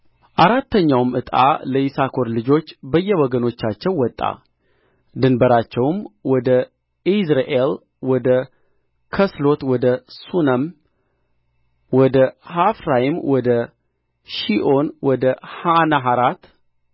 አራተኛውም ዕጣ ለይሳኮር ልጆች በየወገኖቻቸው ወጣ ድንበራቸውም ወደ ኢይዝራኤል ወደ ከስሎት ወደ ሱነም ወደ ሐፍራይም ወደ ሺኦን ወደ አናሐራት